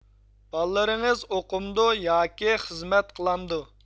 بالىلىرىڭىز ئوقۇمدۇ ياكى خىزمەت قىلامدۇ